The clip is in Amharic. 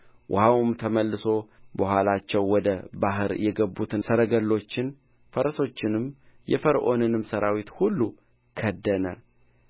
ውኃውም ተመልሶ በኋላቸው ወደ ባሕር የገቡትን ሰረገሎችን ፈረሰኞችንም የፈርዖንንም ሠራዊት ሁሉ ከደነ